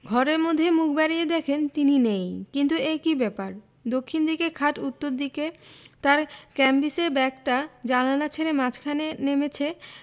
ঘরের মধ্যে মুখ বাড়িয়ে দেখেন তিনি নেই কিন্তু এ কি ব্যাপার দক্ষিণ দিকের খাট উত্তর দিকে তাঁর ক্যাম্বিসের ব্যাগটা জানালা ছেড়ে মাঝখানে নেমেচে